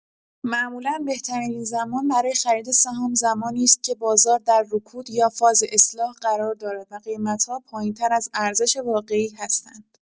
معمولا بهترین زمان برای خرید سهام، زمانی است که بازار در رکود یا فاز اصلاح قرار دارد و قیمت‌ها پایین‌تر از ارزش واقعی هستند.